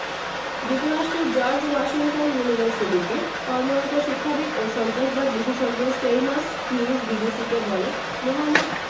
যুক্তরাষ্ট্রের George Washington ইউনিভার্সিটিতে কর্মরত শিক্ষাবিদ ও সন্ত্রাসবাদ বিশেষজ্ঞ সেইমাস হিউজ বিবিসিকে বলেন মোহাম্মদ